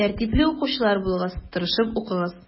Тәртипле укучылар булыгыз, тырышып укыгыз.